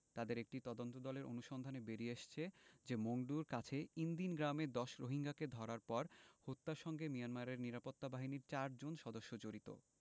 তাদের একটি তদন্তদলের অনুসন্ধানে বেরিয়ে এসেছে যে মংডুর কাছে ইনদিন গ্রামে ১০ রোহিঙ্গাকে ধরার পর হত্যার সঙ্গে মিয়ানমারের নিরাপত্তা বাহিনীর চারজন সদস্য জড়িত